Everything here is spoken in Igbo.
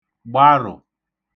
gbarụ̀